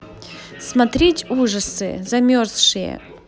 смотреть ужасы замерзшие